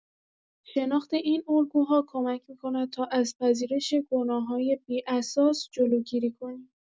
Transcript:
شناخت این الگوها کمک می‌کند تا از پذیرش گناه‌های بی‌اساس جلوگیری کنیم.